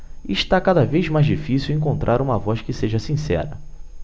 está cada vez mais difícil encontrar uma voz que seja sincera